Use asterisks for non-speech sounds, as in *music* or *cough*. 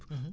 *hesitation* *hesitation*